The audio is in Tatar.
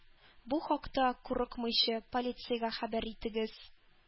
Бу хакта, курыкмыйча, полициягә хәбәр итегез: